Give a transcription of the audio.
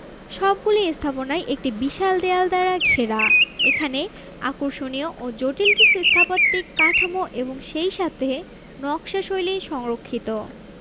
সবগুলি স্থাপনাই একটি বিশাল দেয়াল দ্বারা ঘেরা এখানে আকর্ষণীয় ও জটিল কিছু স্থাপত্যিক কাঠামো এবং সেই সাথে নকশা শৈলী সংরক্ষিত